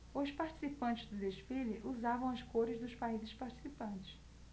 os participantes do desfile usavam as cores dos países participantes